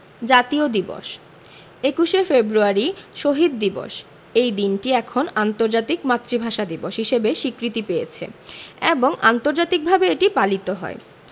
জাতীয় দিবসঃ ২১শে ফেব্রুয়ারি শহীদ দিবস এই দিনটি এখন আন্তর্জাতিক মাতৃভাষা দিবস হিসেবে স্বীকৃতি পেয়েছে এবং আন্তর্জাতিকভাবে এটি পালিত হয়